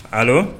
A